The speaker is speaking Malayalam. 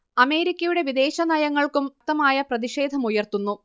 അമേരിക്കയുടെ വിദേശനയങ്ങൾക്കും ശക്തമായ പ്രതിഷേധമുയർത്തുന്നു